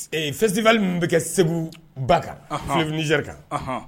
Fɛsiwaleli min bɛ kɛ segu ba kanfjɛri kan